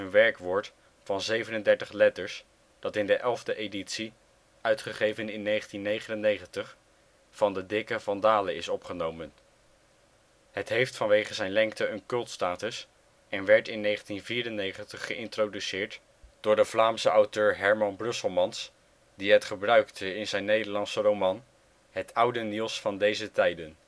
werkwoord van 37 letters dat in de elfde editie (1999) van de dikke Van Dale is opgenomen. Het heeft vanwege zijn lengte een cultstatus en werd in 1994 geïntroduceerd door de Vlaamse auteur Herman Brusselmans, die het gebruikte in zijn Nederlandse roman Het oude nieuws van deze tijden